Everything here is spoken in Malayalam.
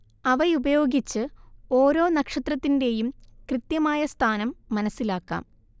അവയുപയോഗിച്ച് ഒരോ നക്ഷത്രത്തിന്റെയും കൃത്യമായ സ്ഥാനം മനസ്സിലാക്കാം